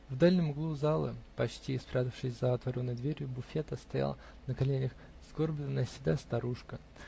В дальнем углу залы, почти спрятавшись за отворенной дверью буфета, стояла на коленях сгорбленная седая старушка.